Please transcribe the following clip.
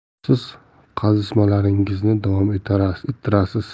siz qazishmalaringizni davom ettirasiz